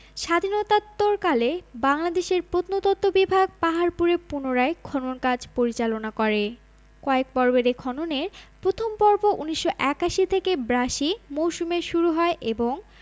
স্বাধীনতাত্তোরকালে বাংলাদেশের প্রত্নতত্ত্ব বিভাগ পাহাড়পুরে পুনরায় খনন কাজ পরিচালনা করে কয়েক পর্বের এ খননের ১ম পর্ব ১৯৮১ ৮২ মৌসুমে শুরু হয় এবং